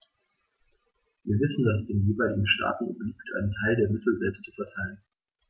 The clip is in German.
Wir wissen, dass es den jeweiligen Staaten obliegt, einen Teil der Mittel selbst zu verteilen.